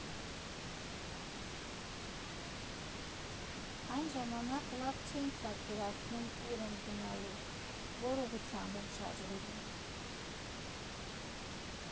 Այն ժամանակ լավ չէինք պատկերացնում՝ ուր ենք գնալու, որ ուղղությամբ ենք շարժվելու։